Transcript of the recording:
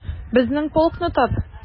Безнең полкны тап...